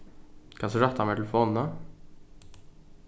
kanst tú rætta mær telefonina